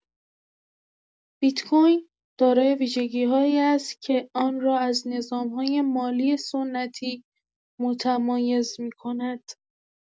بیت‌کوین دارای ویژگی‌هایی است که آن را از نظام‌های مالی سنتی متمایز می‌کند.